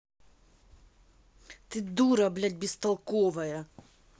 ты дура блять бестолковая